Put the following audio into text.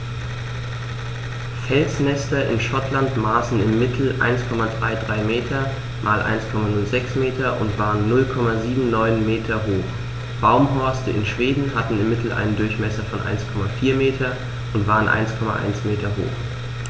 Felsnester in Schottland maßen im Mittel 1,33 m x 1,06 m und waren 0,79 m hoch, Baumhorste in Schweden hatten im Mittel einen Durchmesser von 1,4 m und waren 1,1 m hoch.